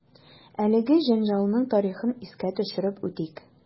Әлеге җәнҗалның тарихын искә төшереп үтик.